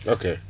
ok